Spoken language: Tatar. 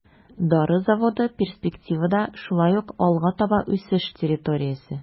Дары заводы перспективада шулай ук алга таба үсеш территориясе.